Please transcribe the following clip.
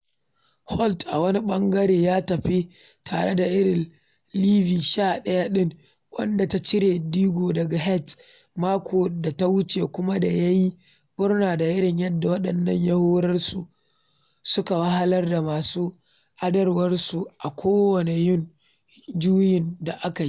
Holt, a wani ɓangaren, ya tafi tare da irin Livi 11 ɗin wanda ta cire ɗigo daga Hearts mako da wuce kuma da ya yi murna da irin yadda waɗanda ya horar suka wahalar da masu adawarsu a kowane juyin da aka yi.